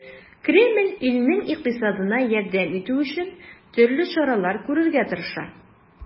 Кремль илнең икътисадына ярдәм итү өчен төрле чаралар күрергә тырыша.